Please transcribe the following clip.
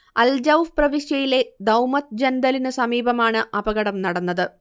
Al Jouf പ്രവിശ്യയിലെ Dawmat ജൻദലിന് സമീപമാണ് അപകടം നടന്നത്